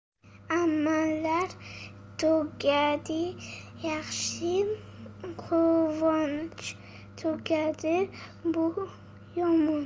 amallar tugadi yaxshi quvonch tugadi bu yomon